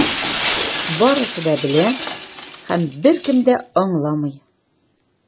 Барысы да белә - һәм беркем дә аңламый.